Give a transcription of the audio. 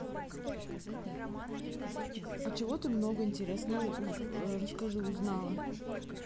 а чего ты много интересного расскажи узнала